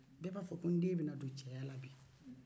bɛɛ b'a fɔ ko n den bɛna don cɛya la bi